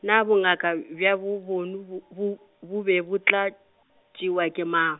na bongaka, b- bja bo bo no bo bo, bo be bo tla , tšewa ke mang?